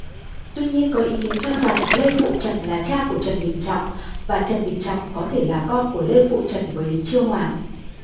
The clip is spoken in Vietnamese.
tuy nhiên có ý kiến cho rằng lê phụ trần là cha của trần bình trọng và trần bình trọng có thể là con của lê phụ trần với lý chiêu hoàng